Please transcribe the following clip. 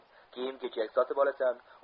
kiyim kechak sotib olasan